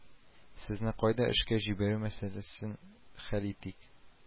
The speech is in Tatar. Сезне кайда эшкә җибәрү мәсьәләсен хәл итик